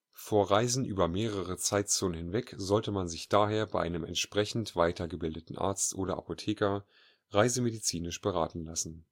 Vor Reisen über mehrere Zeitzonen hinweg sollte man sich daher bei einem entsprechend weitergebildeten Arzt oder Apotheker reisemedizinisch beraten lassen